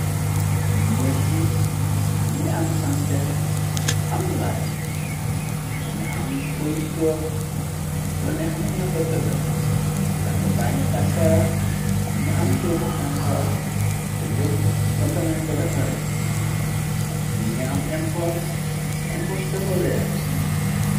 nekk bi mi ngi am sanke am lall mi nga am foy toog sulo neexamën nga fa tëdda lampa bày ngi tàkka mi ngi am toogu xanka te yobb bantanen ko defare mi ngi am import te import su dafa weex